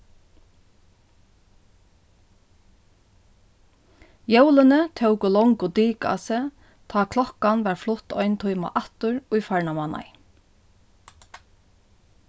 jólini tóku longu dik á seg tá klokkan varð flutt ein tíma aftur í farna mánaði